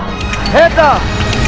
hết giờ